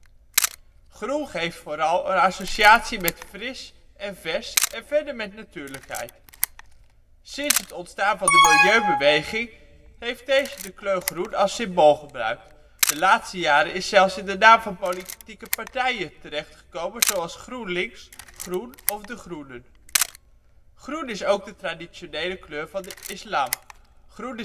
Groen geeft vooral een associatie met fris en vers, en verder met natuurlijkheid. Sinds het ontstaan van de milieubeweging heeft deze de kleur groen als symbool gebruikt. De laatste jaren is dit zelfs in de naam van politieke partijen terecht gekomen zoals GroenLinks, Groen! of de Groenen. Groen is ook de traditionele kleur van de Islam. Groen